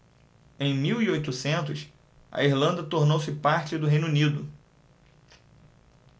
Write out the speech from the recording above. em mil e oitocentos a irlanda tornou-se parte do reino unido